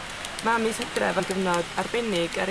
Ma' mis Hydref yn gyfnod arbennig ar...